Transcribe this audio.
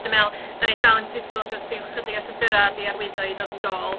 Dwi'n meddwl dan ni dal yn disgwyl jyst ryw chydig o llythyrau 'di arwyddo i ddod yn dol